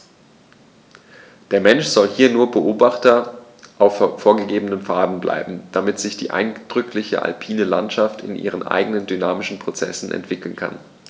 Der Mensch soll hier nur Beobachter auf vorgegebenen Pfaden bleiben, damit sich die eindrückliche alpine Landschaft in ihren eigenen dynamischen Prozessen entwickeln kann.